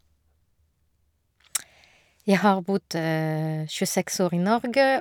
Jeg har bodd tjueseks år i Norge.